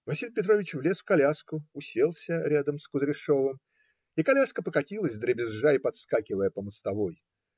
Василий Петрович влез в коляску, уселся рядом с Кудряшовым, и коляска покатилась, дребезжа и подскакивая по мостовой.